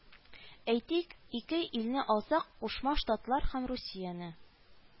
Әйтик, ике илне алсак Кушма Штатлар һәм Русияне